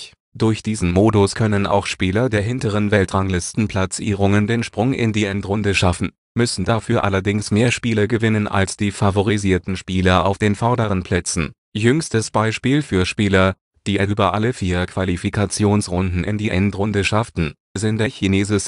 Durch diesen Modus können auch Spieler der hinteren Weltranglistenplatzierungen den Sprung in die Endrunde schaffen, müssen dafür allerdings mehr Spiele gewinnen als die favorisierten Spieler auf den vorderen Plätzen. Jüngstes Beispiel für Spieler, die es über alle vier Qualifikationsrunden in die Endrunde schafften, sind der Chinese